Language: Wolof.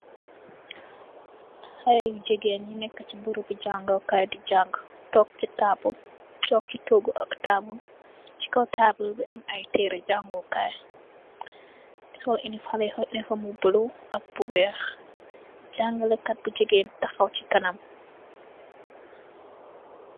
Xale jigeen yu neka si berembi jànge kai di jànga tog si tabul tog si togu ak tabul si kaw tabul bi am ay tere jangu kai sol eleform bu bulu ak bu weex jangale kat bu jigeen taxaw si kanam.